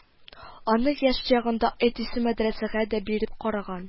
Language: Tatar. Аны яшь чагында әтисе мәдрәсәгә дә биреп караган